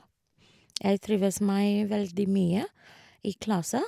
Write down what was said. Jeg trives meg veldig mye i klassa.